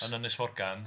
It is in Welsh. Yn Ynysforgan.